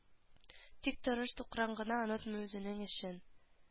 Тик тырыш тукран гына онытмый үзенең эшен